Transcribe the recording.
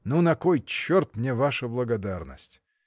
— Ну на кой черт мне ваша благодарность?